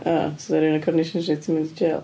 A so rywyn o Coronation Street 'di mynd i jail.